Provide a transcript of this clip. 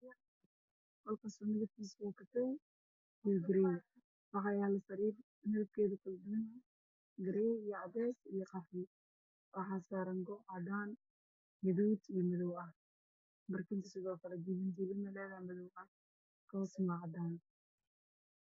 Waa sariir midabkeedu yahay madow waxa saaran joodari waxaa kor ka saaran go-aan